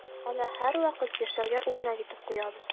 Аны һәрвакыт яшьләргә үрнәк итеп куябыз.